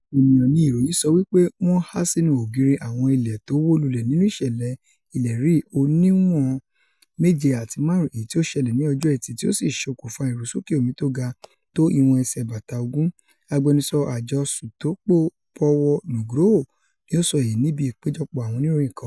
Ọ̀pọ̀ ènìyàn ní ìròyìn sọ wí pé wọ́n há sínú ògiri àwọn ilé tó wó lulẹ̀ nínú ìṣẹ̀lẹ̀ ilẹ̀ rírì oníwọ̀n 7.5 èyití ó ṣẹlẹ̀ ní ọjọ́ ẹtì tí ó sì ṣokùnfà ìrusókè omi tóga tó ìwọ̀n ẹsẹ̀ bàtà ogún, agbẹnusọ àjọ Sutopo Purwo Nugroho ni o sọ èyí níbi ìpéjọpọ̀ àwọn oníròyìn kan.